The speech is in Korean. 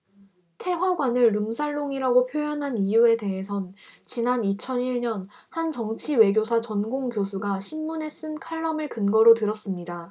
태화관을 룸살롱이라고 표현한 이유에 대해선 지난 이천 일 년 한 정치외교사 전공 교수가 신문에 쓴 칼럼을 근거로 들었습니다